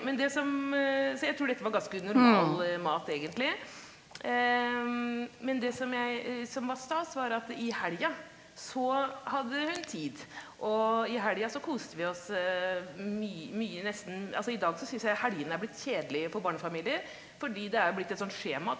men det som så jeg tror dette var ganske normal mat egentlig, men det som jeg som var stas var at i helga så hadde hun tid, og i helga så koste vi oss mye nesten altså i dag så syns jeg helgene er blitt kjedelige for barnefamilier fordi det er blitt et sånt skjema.